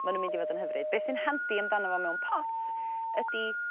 ma' nw'n mynd i fod yn hyfryd be' sy'n handi amdano fo mewn pot ydi